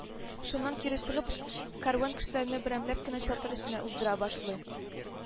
Шуннан кире чыгып, кәрван кешеләрен берәмләп кенә чатыр эченә уздыра башлый